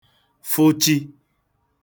fụchi